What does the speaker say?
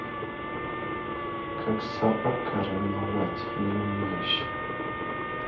как собака ревновать не умеешь